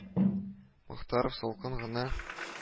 Мохтаров салкын гына: